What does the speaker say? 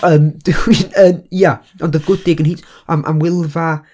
Yym, dwi, gwi- yn, ia. Ond oedd Gwdig yn hitio, am- am Wylfa,